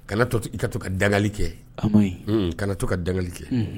Kana to i ka to kali kɛ kana to ka dali kɛ